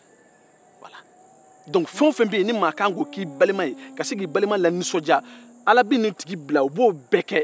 dɔnku fɛn o fɛn ka kan ka kɛ i balima ka se k'a lanisɔndiya ala bɛ nin tigi bila k'o bɛɛ kɛ